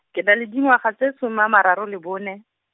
ke na le dingwaga tse soma a mararo le bone.